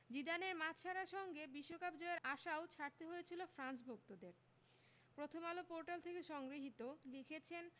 জিদানের মাঠ ছাড়ার সঙ্গে সঙ্গে বিশ্বকাপ জয়ের আশাও ছাড়তে হয়েছিল ফ্রান্স ভক্তদের প্রথমআলো পোর্টাল হতে সংগৃহীত লিখেছেন